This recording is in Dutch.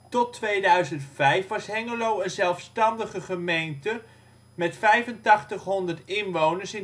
Tot 2005 was Hengelo een zelfstandige gemeente (met 8500 inwoners, 2004